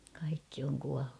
kaikki on kuollut